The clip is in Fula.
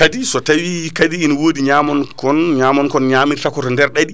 kaadi so tawi kaadi ina wodi ñamon kon ñamirta koto nder ɗaɗi